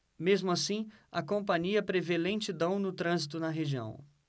mesmo assim a companhia prevê lentidão no trânsito na região